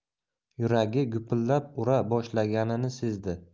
yuragi gupillab ura boshlaganini sezdi